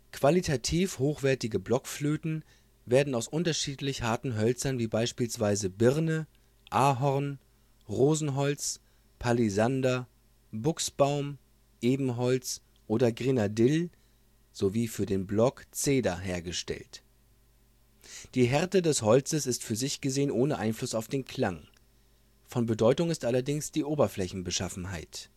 Qualitativ hochwertige Blockflöten werden aus unterschiedlich harten Hölzern wie beispielsweise Birne, Ahorn, Rosenholz, Palisander, Buchsbaum, Ebenholz oder Grenadill sowie (für den Block) Zeder hergestellt. Die Härte des Holzes ist für sich gesehen ohne Einfluss auf den Klang, von Bedeutung ist allerdings die Oberflächenbeschaffenheit